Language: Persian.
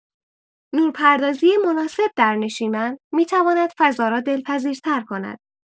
نورپردازی مناسب در نشیمن می‌تواند فضا را دلپذیرتر کند.